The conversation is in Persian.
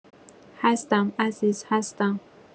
هستم عزیز هستم